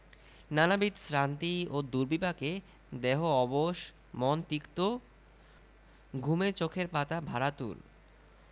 নানাবিধ শ্রান্তি ও দুর্বিপাকে দেহ অবশ মন তিক্ত ঘুমে চোখের পাতা ভারাতুর